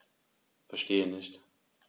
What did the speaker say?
Verstehe nicht.